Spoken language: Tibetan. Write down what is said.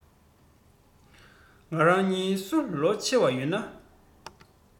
ང རང གཉིས སུ ལོ ཆེ བ ཡོད ན